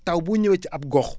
taw bu ñëwee ci ab gox